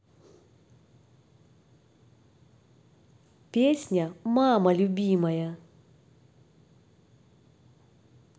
песня мама любимая